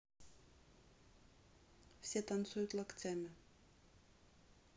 все танцуют локтями